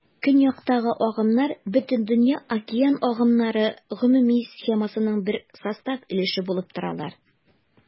Көньякта агымнар Бөтендөнья океан агымнары гомуми схемасының бер состав өлеше булып торалар.